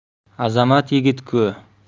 azamat yigit ku